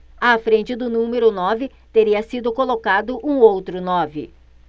à frente do número nove teria sido colocado um outro nove